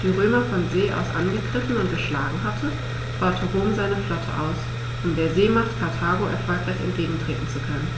die Römer von See aus angegriffen und geschlagen hatte, baute Rom seine Flotte aus, um der Seemacht Karthago erfolgreich entgegentreten zu können.